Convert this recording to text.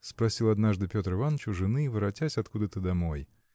– спросил однажды Петр Иваныч у жены воротясь откуда-то домой.